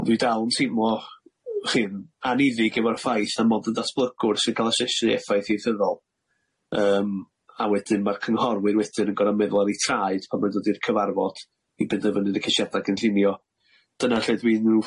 Dwi dal yn teimlo w'chi'n aniddig efo'r ffaith a mod yn datblygwr sy'n ca'l asesi' effaith ieithyddol yym a wedyn ma'r cynghorwyr wedyn yn gor'o' meddwl ar eu traed pan ma'n dod i'r cyfarfod i benderfynu'r gesiada gynllunio dyna lle dwi'n ryw